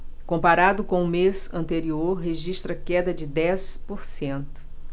comparado com o mês anterior registra queda de dez por cento